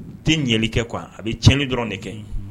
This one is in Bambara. Tɛ ɲɛli kɛ kuwa a bɛ cɛnɲɛni dɔrɔn de kɛ yen